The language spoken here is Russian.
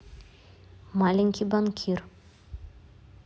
маленький банкир